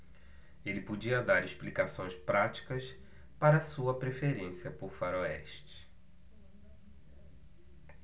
ele podia dar explicações práticas para sua preferência por faroestes